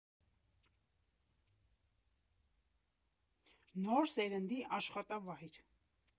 Նոր սերնդի աշխատավայր։